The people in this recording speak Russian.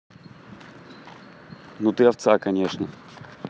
ну ты овца конечно